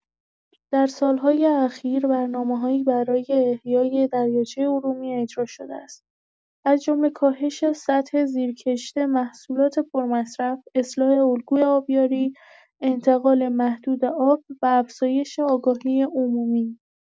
در سال‌های اخیر برنامه‌‌هایی برای احیای دریاچه ارومیه اجرا شده است، از جمله کاهش سطح زیر کشت محصولات پرمصرف، اصلاح الگوی آبیاری، انتقال محدود آب و افزایش آگاهی عمومی.